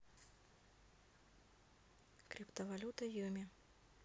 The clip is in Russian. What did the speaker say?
криптовалюта юми